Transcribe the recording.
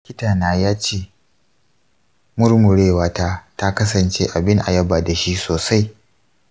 likitana ya ce murmurewata ta kasance abin a yaba da shi sosai